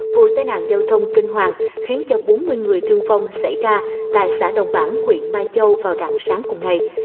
vụ tai nạn giao thông kinh hoàng khiến người thương vong xảy ra tại xã đồng bảng huyện mai châu vào rạng sáng cùng ngày